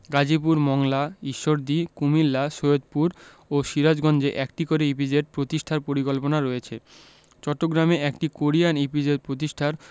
গাজীপুর মংলা ঈশ্বরদী কুমিল্লা সৈয়দপুর ও সিরাজগঞ্জে একটি করে ইপিজেড প্রতিষ্ঠার পরিকল্পনা রয়েছে চট্টগ্রামে একটি কোরিয়ান ইপিজেড প্রতিষ্ঠার